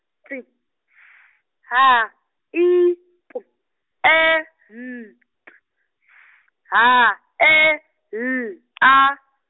T S H I P E N T S H E L A.